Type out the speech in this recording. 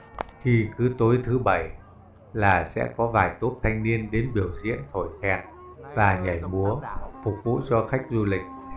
khi cứ tối thứ là sẽ có vài tốp thanh niên đến biểu diễn thổi kèn và nhảy múa phục vụ cho khách du lịch